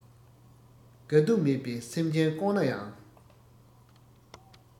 དགའ སྡུག མེད པའི སེམས ཅན དཀོན ན ཡང